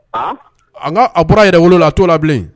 A bɔra yɛrɛ wolo la a t'o la bilen